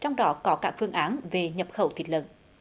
trong đó có cả phương án về nhập khẩu thịt lợn